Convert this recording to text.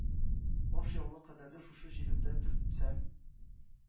Ашъяулык кадәрле шушы җиремдә төртсәм